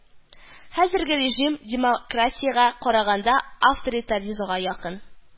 Хәзерге режим демократиягә караганда, авторитаризмга якын